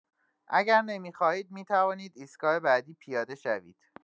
اگر نمی‌خواهید می‌توانید ایستگاه بعدی پیاده شوید.